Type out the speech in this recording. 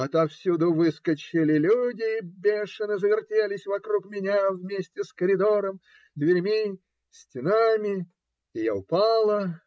Отовсюду выскочили люди, бешено завертелись вокруг меня, вместе с коридором, дверьми, стенами. И я упала.